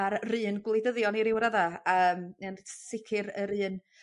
a 'r- 'run gwleidyddion i ryw radda a yym yn sicir yr un